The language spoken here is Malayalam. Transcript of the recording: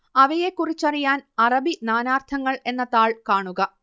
അവയെക്കുറിച്ചറിയാൻ അറബി നാനാർത്ഥങ്ങൾ എന്ന താൾ കാണുക